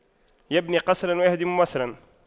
يبني قصراً ويهدم مصراً